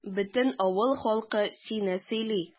Бөтен авыл халкы сине сөйли.